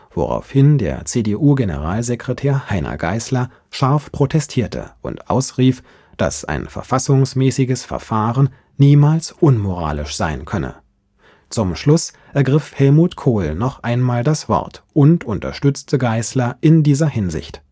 woraufhin der CDU-Generalsekretär Heiner Geißler scharf protestierte und ausrief, dass ein verfassungsmäßiges Verfahren „ niemals unmoralisch “sein könne. Zum Schluss ergriff Helmut Kohl noch einmal das Wort und unterstützte Geißler in dieser Hinsicht